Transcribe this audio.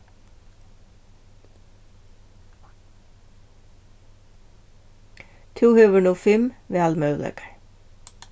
tú hevur nú fimm valmøguleikar